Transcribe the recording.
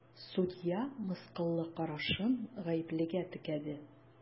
Судья мыскыллы карашын гаеплегә текәде.